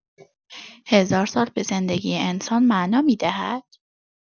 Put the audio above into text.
هزار سال به زندگی انسان معنا می‌دهد؟